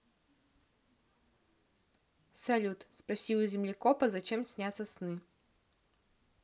салют спроси у землекопа зачем снятся сны